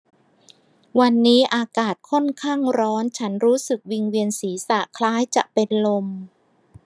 วันนี้อากาศค่อนข้างร้อนฉันรู้สึกวิงเวียนศีรษะคล้ายจะเป็นลม